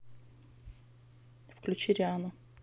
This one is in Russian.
включи рианну